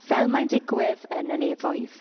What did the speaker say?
Fel mae'n digwydd yn y nefoedd.